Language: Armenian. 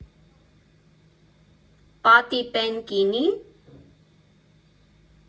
Պա տի պեն կինի՞։